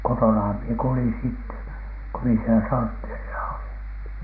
kotonahan minä kuljin sitten kun minä siellä sortteerissa olin